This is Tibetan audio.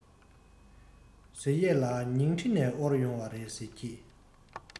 ཟེར ཡས ལ ཉིང ཁྲི ནས དབོར ཡོང བ རེད ཟེར གྱིས